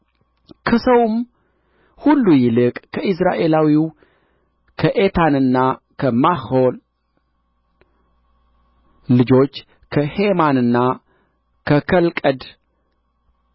ከሰውም ሁሉ ይልቅ ከኢይዝራኤላዊው ከኤታንና ከማሖል ልጆች ከሄማንና ከከልቀድ